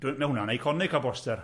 Dwi- ma' hwnna'n eiconic o boster.